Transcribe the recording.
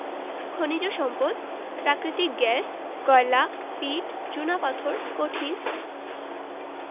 খনিজ সম্পদঃ প্রাকৃতিক গ্যাস কয়লা পিট চুনাপাথর কঠিন